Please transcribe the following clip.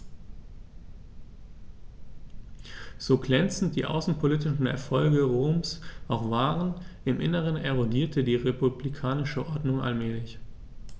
So glänzend die außenpolitischen Erfolge Roms auch waren: Im Inneren erodierte die republikanische Ordnung allmählich.